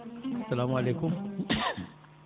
salamu aleykum